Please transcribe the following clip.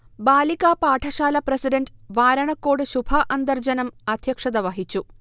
ബാലികാപാഠശാല president Varanakode Shubha Antharjanam അധ്യക്ഷത വഹിച്ചു